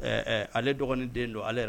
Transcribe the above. Ɛɛ ale dɔgɔnin den don ale yɛrɛ